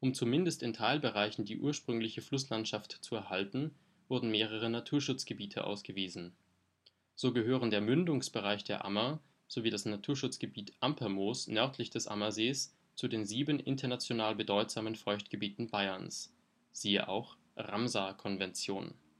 zumindest in Teilbereichen die ursprüngliche Flusslandschaft zu erhalten, wurden mehrere Naturschutzgebiete ausgewiesen. So gehören der Mündungsbereich der Ammer sowie das Naturschutzgebiet Ampermoos nördlich des Ammersees zu den sieben international bedeutsamen Feuchtgebieten Bayerns (Siehe auch: Ramsar-Konvention